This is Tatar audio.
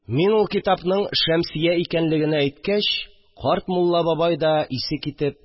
Мин ул китапның «Шәмсия» икәнлегене әйткәч, карт мулла бабай да, исе китеп